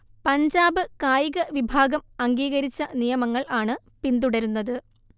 പഞ്ചാബ് കായികവിഭാഗം അംഗീകരിച്ച നിയമങ്ങൾ ആണ് പിന്തുടരുന്നത്